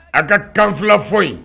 A ka kan 2 in